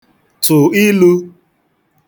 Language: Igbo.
tụ ilū